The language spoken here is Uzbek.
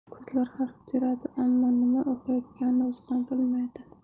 ko'zlar harf teradi ammo nima o'qiyotganini o'zi ham bilmaydi